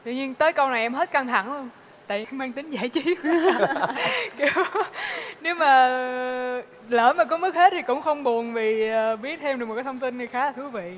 tự nhiên tới câu này em hết căng thẳng luôn tại vì mang tính giải trí kiểu nếu mà lỡ mà có mất hết thì cũng không buồn vì biết thêm được một cái thông tin này khá thú vị